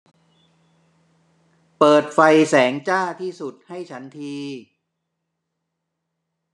เปิดไฟแสงจ้าที่สุดให้ฉันที